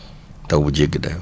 taw bu jéggi dayoo